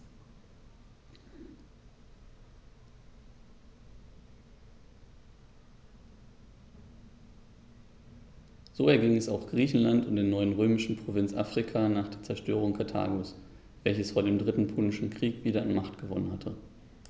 So erging es auch Griechenland und der neuen römischen Provinz Afrika nach der Zerstörung Karthagos, welches vor dem Dritten Punischen Krieg wieder an Macht gewonnen hatte.